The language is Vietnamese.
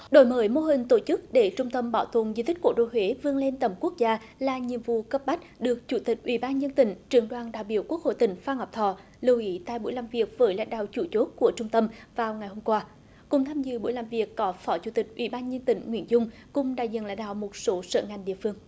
đổi mới mô hình tổ chức để trung tâm bảo tồn di tích cố đô huế vươn lên tầm quốc gia là nhiệm vụ cấp bách được chủ tịch ủy ban nhân dân tỉnh trưởng đoàn đại biểu quốc hội tỉnh phan ngọc thọ lưu ý tại buổi làm việc với lãnh đạo chủ chốt của trung tâm vào ngày hôm qua cùng tham dự buổi làm việc có phó chủ tịch ủy ban nhân dân tỉnh nguyễn dung cùng đại diện lãnh đạo một số sở ngành địa phương